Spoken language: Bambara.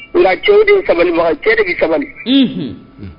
O la cɛw de ye sabali baka ye . Cɛ de bi sabali.